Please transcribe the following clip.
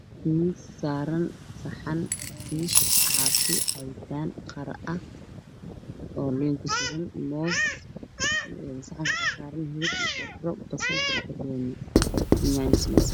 Miis saaran saxan timir caafi cabitan qaro ah oo liin ku suran moos saxanka waxa saran basal barbaroni yanyo siwirsaan